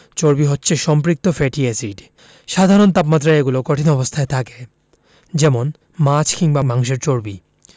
চর্বি হচ্ছে সম্পৃক্ত ফ্যাটি এসিড সাধারণ তাপমাত্রায় এগুলো কঠিন অবস্থায় থাকে যেমন মাছ কিংবা মাংসের চর্বি